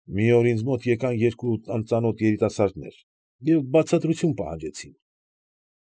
Մի օր ինձ մոտ եկան երկու անծանոթ երիտասարդներ և բացատրություն պահանջեցին։